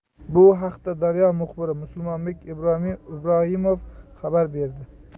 bu haqda daryo muxbiri musulmonbek ibrohimov xabar berdi